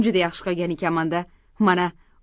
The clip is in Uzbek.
juda yaxshi qilgan ekanman da